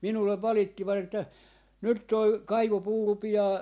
minulle valittivat että nyt tuo kaivopuu rupeaa